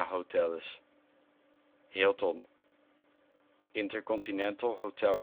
Hoteles Hilton Intercontinental Hotel